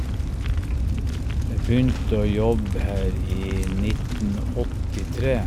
Jeg begynte å jobbe her i nitten åttitre.